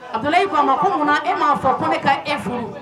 A donna' k' a ma ko munna e m'a fɔ ko ne ka e furu